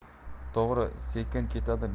to'g'ri sekin ketadi